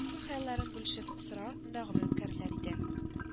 Уй-хыялларын бүлешеп сыра артында гомер үткәрерләр иде